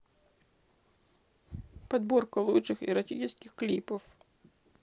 подборка лучших эротических клипов